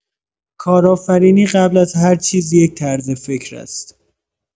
کارآفرینی قبل از هر چیز یک طرز فکر است؛